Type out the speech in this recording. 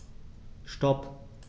Stop.